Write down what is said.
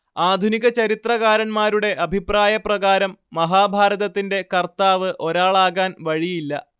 ആധുനിക ചരിത്രകാരന്മാരുടെ അഭിപ്രായപ്രകാരം മഹാഭാരതത്തിന്റെ കർത്താവ്‌ ഒരാളാകാൻ വഴിയില്ല